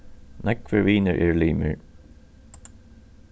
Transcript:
nógvir vinir eru limir